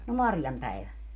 no Marjan päivä